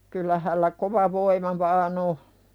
kyllä hänellä kova voima vain on